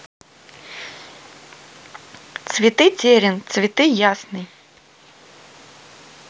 цветы террин цветы ясный